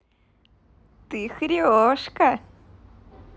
ты хрешка